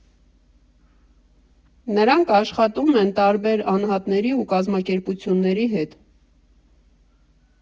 Նրանք աշխատում են տարբեր անհատների ու կազմակերպությունների հետ։